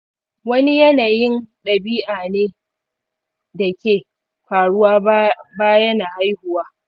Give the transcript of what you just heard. wani yanayin ɗabi'a ne dake faruwa bayana haihuwa